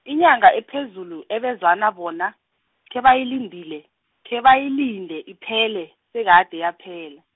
inyanga ephezulu ebezwana bona, khebayilindile, khebayilinde iphele, sekade yaphela.